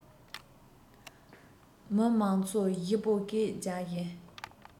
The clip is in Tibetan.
མ མང ཚོ བཞི པོ སྐད རྒྱག བཞིན